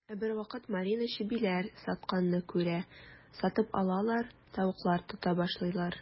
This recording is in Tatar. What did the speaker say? Ә бервакыт Марина чебиләр сатканны күрә, сатып алалар, тавыклар тота башлыйлар.